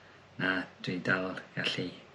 na dwi'n dal gallu